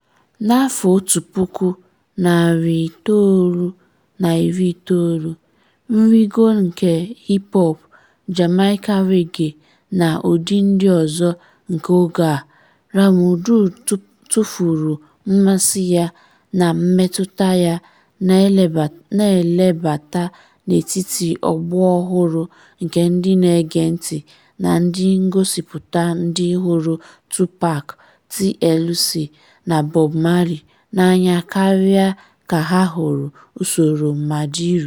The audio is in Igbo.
N'afọ 1990, nrịgo nke hip-hop, Jamaican Reggae, na ụdị ndị ọzọ nke oge a, Rhumba tụfuru mmasị ya na mmetụta ya na-ebelata n'etiti ọgbọ ọhụrụ nke ndị na-ege ntị na ndị ngosịpụta ndị hụrụ Tupac, TLC, na Bob Marley n'anya karịa ka ha hụrụ usoro Madilu.